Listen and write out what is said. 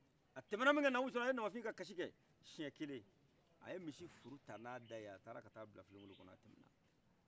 a tɛmɛnna minkɛ namou bisimila a ye namafin ka kasi kɛ siyɛn kelen a ye misi furu ta na daye a taara ka bila filen kolon kɔnɔ